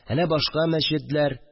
Әнә башка мәчетләр